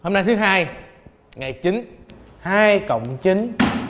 hôm nay thứ hai ngày chín hai cộng chín